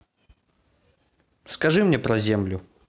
скажи мне про землю